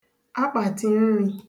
akpàtìnrī